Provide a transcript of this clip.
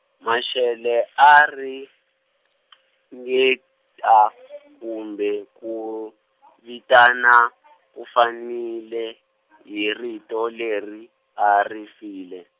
Mashele a ringeta kumbe ku vitana ku fanile hi rito leri, a ri file.